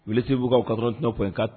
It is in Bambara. W wulisi b' kasɔrɔti fɔ yen kan